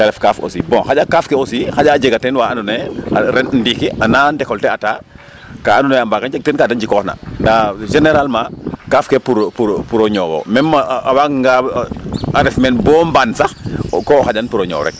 Ta ref kaaf aussi : fra bon xaƴa kaaf ke aussi xaƴa a jega teen wa andoona yee ren ndiki a naa ndekolte'ataa ka andoonaye a mba njeg teen ka da njikoorna ndaa généralement kaaf ke pour o ñoow o meem a waaganga ref meen bo mbaan sax ko xaƴan pour o ñoow rek .